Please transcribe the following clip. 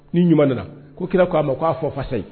Ni ɲuman nana ko kira k'a ma k'a fɔ fasa ye